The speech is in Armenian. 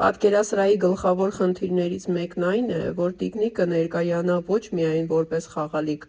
Պատկերասրահի գլխավոր խնդիրներից մեկն այն է, որ տիկնիկը ներկայանա ոչ միայն որպես խաղալիք,